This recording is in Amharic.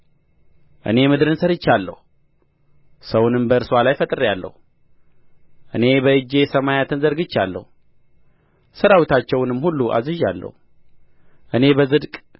እኔ በእጄ ሰማያትን ዘርግቼአለሁ ሠራዊታቸውንም ሁሉ አዝዣለሁ እኔ በጽድቅ